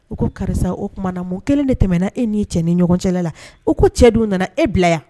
U ko karisa o tumaumana na mun kelen de tɛmɛna e' cɛ ni ɲɔgɔn cɛ la u ko cɛ dun nana e bila yan